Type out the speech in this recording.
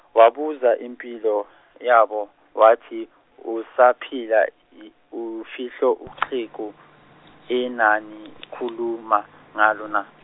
wabuza impilo, yabo wathi, usaphila i- uyihlo uxhegu engangikhuluma ngaye na?